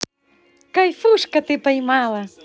кайфушка ты поймала